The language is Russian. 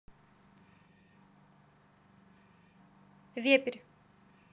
вепрь